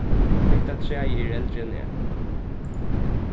hetta træið er eldri enn eg